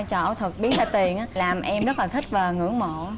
trò ảo thuật biến ra tiền á làm em rất là thích và ngưỡng mộ